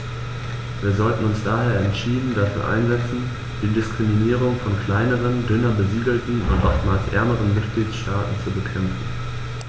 Wir sollten uns daher entschieden dafür einsetzen, die Diskriminierung von kleineren, dünner besiedelten und oftmals ärmeren Mitgliedstaaten zu bekämpfen.